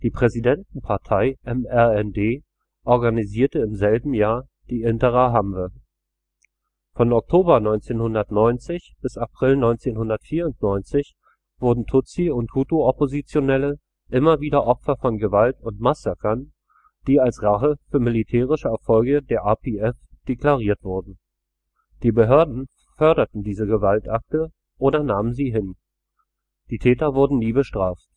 Präsidentenpartei MRND organisierte im selben Jahr die Interahamwe. Von Oktober 1990 bis April 1994 wurden Tutsi und Hutu-Oppositionelle immer wieder Opfer von Gewalt und Massakern, die als Rache für militärische Erfolge der RPF deklariert wurden. Die Behörden förderten diese Gewaltakte oder nahmen sie hin. Die Täter wurden nie bestraft